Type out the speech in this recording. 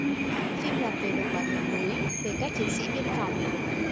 phim làm về đồng bào miền núi về các chiến sỹ biên phòng